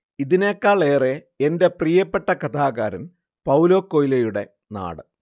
ഇതിനേക്കാളേറെ എന്റെ പ്രിയപ്പെട്ട കഥാകാരൻ പൌലോ കൊയ്ലോയുടെ നാട്